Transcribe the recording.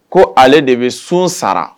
Ko ale de bɛ sun sara